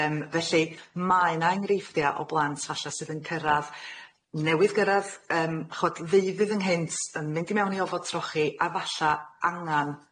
Yym felly mae 'na enghreifftia o blant falla sydd yn cyrradd newydd gyrradd yym ch'bod ddeuddydd ynghynt yn mynd i mewn i ofod trochi a falla angan,